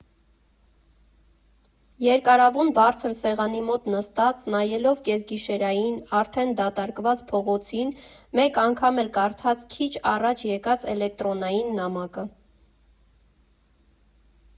Երկարավուն բարձր սեղանի մոտ նստած՝ նայելով կեսգիշերային, արդեն դատարկված փողոցին մեկ անգամ էլ կարդաց քիչ առաջ եկած էլեկտրոնային նամակը։